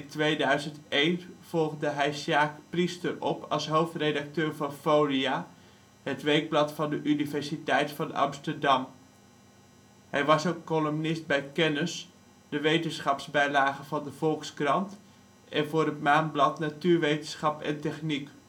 2001 volgde hij Sjaak Priester op als hoofdredacteur van Folia, het weekblad van de Universiteit van Amsterdam. Hij was ook columnist bij Kennis, de wetenschapsbijlage van De Volkskrant, en voor het maandblad Natuurwetenschap & Techniek